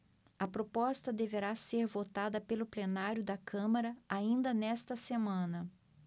a proposta deverá ser votada pelo plenário da câmara ainda nesta semana